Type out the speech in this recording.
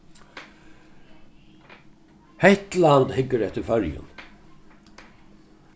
hetland hyggur eftir føroyum